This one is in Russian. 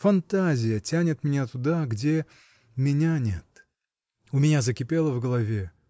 Фантазия тянет меня туда, где. меня нет! У меня закипело в голове.